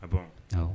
A taa